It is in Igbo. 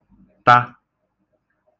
-ta